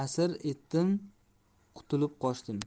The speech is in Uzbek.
asir edim qutulib qochdim